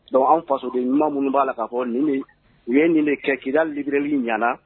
Dɔnku an faso de ɲuman minnu b'a la ka fɔ nin u ye nin kɛ kida libli ɲɛnaana